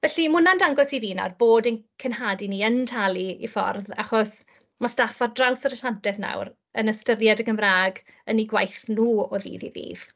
Felly, ma' hwnna'n dangos i fi nawr bod ein cenhadu ni yn talu ei ffordd, achos ma' staff ar draws yr asiantaeth nawr yn ystyried y Gymraeg yn eu gwaith nhw o ddydd i ddydd.